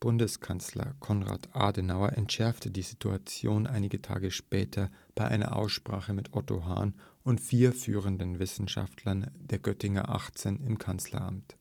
Bundeskanzler Konrad Adenauer entschärfte die Situation einige Tage später bei einer Aussprache mit Otto Hahn und vier führenden Wissenschaftlern der Göttinger Achtzehn im Kanzleramt